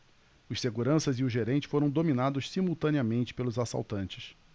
os seguranças e o gerente foram dominados simultaneamente pelos assaltantes